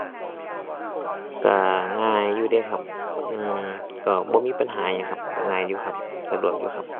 ก็ง่ายอยู่เดะครับ อือ ก็บ่มีปัญหาหยังครับ ก็ง่ายอยู่ครับ สะดวกอยู่ครับ